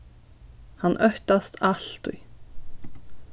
hann óttast altíð